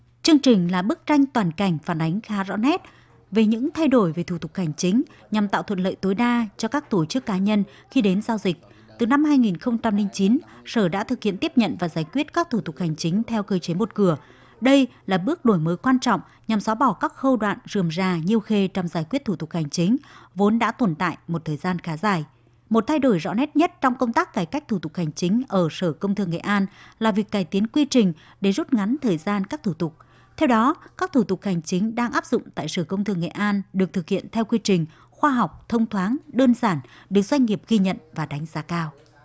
chương trình là bức tranh toàn cảnh phản ánh khá rõ nét về những thay đổi về thủ tục hành chính nhằm tạo thuận lợi tối đa cho các tổ chức cá nhân khi đến giao dịch từ năm hai nghìn không trăm linh chín sở đã thực hiện tiếp nhận và giải quyết các thủ tục hành chính theo cơ chế một cửa đây là bước đổi mới quan trọng nhằm xóa bỏ các khâu đoạn rườm rà nhiêu khê trong giải quyết thủ tục hành chính vốn đã tồn tại một thời gian khá dài một thay đổi rõ nét nhất trong công tác cải cách thủ tục hành chính ở sở công thương nghệ an là việc cải tiến quy trình để rút ngắn thời gian các thủ tục theo đó các thủ tục hành chính đang áp dụng tại sở công thương nghệ an được thực hiện theo quy trình khoa học thông thoáng đơn giản để doanh nghiệp ghi nhận và đánh giá cao